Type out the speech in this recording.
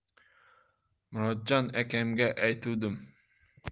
murodjon akamga aytuvdim